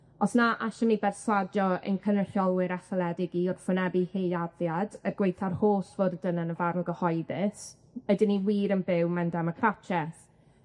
Os na allwn ni berswadio ein cynrychiolwyr etholedig i wrthwynebu hil-laddiad, er gwaetha'r holl fwrdwn yn y gyhoeddus, ydyn ni wir yn byw mewn democratieth?